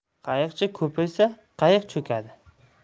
qayiqchi ko'paysa qayiq cho'kadi